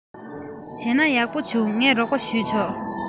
བྱས ན ཡག པོ བྱུང ངས རོགས པ བྱས ཆོག